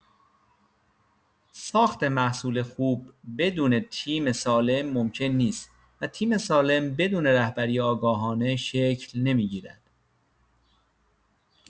ساخت محصول خوب بدون تیم سالم ممکن نیست و تیم سالم بدون رهبری آگاهانه شکل نمی‌گیرد.